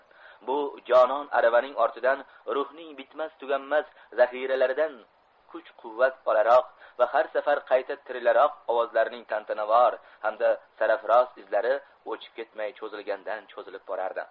bu jonon aravaning ortidan mhning bitmas tuganmas zahiralaridan kuch quvvat olaroq va har safar qayta tirilaroq ovozlarning tantanavor hamda sarafroz izlari o'chib ketmay cho'zilgandan cho'zilib borardi